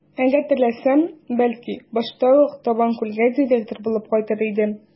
Әгәр теләсәм, бәлки, башта ук Табанкүлгә директор булып кайтыр идем.